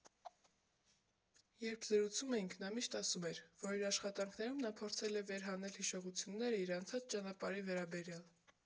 Երբ զրուցում էինք, նա միշտ ասում էր, որ իր աշխատանքներում նա փորձել է վերհանել հիշողությունները իր անցած ճանապարհի վերաբերյալ։